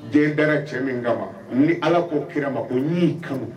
Diɲɛ dara cɛ min kama ni Ala k'o kira ma ko ɲ'i kanu